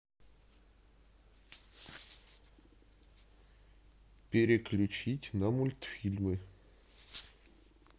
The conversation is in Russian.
переключить на мультфильмы